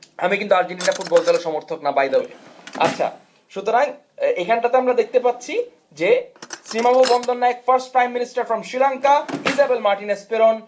আমি কিন্তু Argentina football দলের সমর্থক না বাই দা ওয়ে আচ্ছা সুতরাং এখানটাতে আমরা দেখতে পাচ্ছি যে Sirimavo Bandaranaike 1st prime minister from Sri Lanka Isabel Martinez Peron